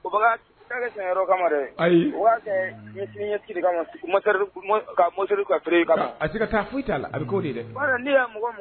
Ayi mɔ kaere a ka taa foyi'a la a dɛ